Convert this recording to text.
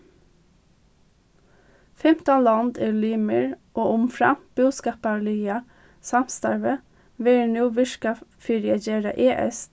fimtan lond eru limir og umframt búskaparliga samstarvið verður nú virkað fyri at gera es